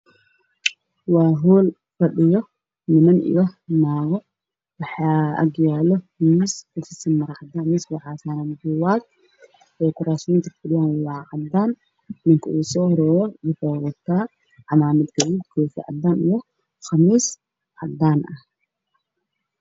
Waa hool waxaa fadhiyo niman iyo naago waxaa ag yaalo miis waxaa saaran maro cadaan ah